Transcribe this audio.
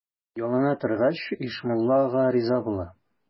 Ялына торгач, Ишмулла ага риза була.